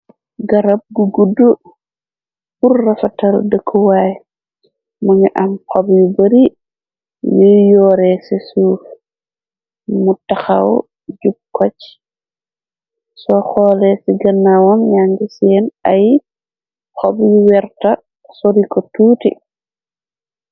Garab gu gudu pur rafatal dëkkuwaay, më ngi am xob yu bari, yuy yoore ci suuf, mu taxaw jub koj, soo xoole ci gënnawam yangi seen ay xob yu werta sori ko tuuti.